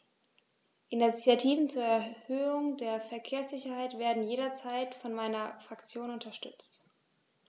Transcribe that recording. Initiativen zur Erhöhung der Verkehrssicherheit werden jederzeit von meiner Fraktion unterstützt.